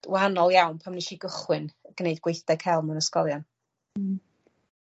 wahanol iawn pan nesh i gychwyn gneud gweithdai cel' mewn ysgolion. Hmm.